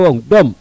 dom dom